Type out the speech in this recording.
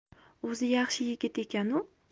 o'zi yaxshi yigit ekan u